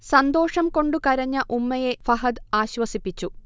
സന്തോഷം കൊണ്ടു കരഞ്ഞ ഉമ്മയെ ഫഹദ് ആശ്വസിപ്പിച്ചു